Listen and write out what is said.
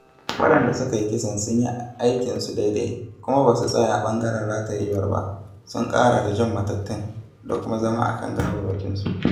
Waɗanda suka yi kisan sun yi aikinsu daidai, kuma ba su tsaya a ɓangaren ratayewar ba, sun ƙara da jan matattun da kuma zama a kan gawarwakinsu.